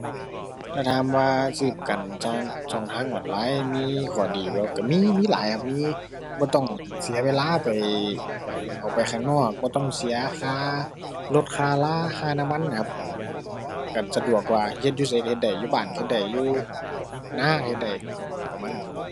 ถ้าถามว่าซื้อประกันทางช่องทางออนไลน์มีข้อดีบ่ ก็มี มีหลายครับ มี บ่ต้องเสียเวลาไป ออกไปข้างนอก บ่ต้องเสียค่ารถ ค่ารา ค่าน้ำมันน่ะครับ ก็สะดวกกว่า เฮ็ดอยู่ไสก็เฮ็ดได้ อยู่บ้านก็เฮ็ดได้ อยู่นาก็เฮ็ดได้ครับ ประมาณนั้น